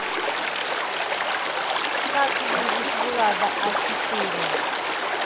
как выжить влада а четыре